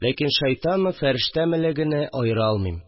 Ләкин шәйтанмы, фәрештәмелегене аера алмыйм